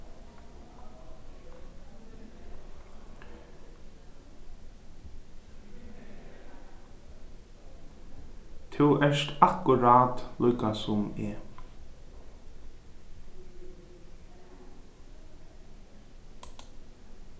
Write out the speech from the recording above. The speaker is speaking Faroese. tú ert akkurát líka sum eg